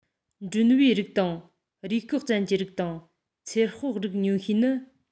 འགྲོན བུའི རིགས དང རུས སྐོགས ཅན གྱི རིགས དང ཚེར སྤགས རིགས ཉུང ཤས ནི